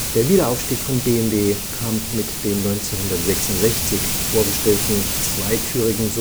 Der Wiederaufstieg von BMW kam mit den 1966 vorgestellten zweitürigen